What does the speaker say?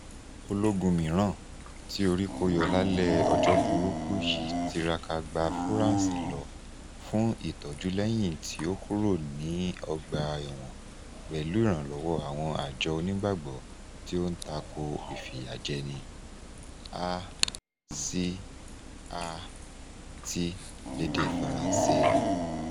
Ológun mìíràn tí orí kó yọ lálẹ́ ọjọ́ burúkú yìí tiraka gba France lọ fún ìtọ́jú lẹ́yìn tí ó kúrò ní ọgbà ẹ̀wọ̀n pẹ̀lú ìrànwọ́ àwọn Àjọ Onígbàgbọ́ tí ó ń tako Ìfìyàjẹni (ACAT lédè Faransé).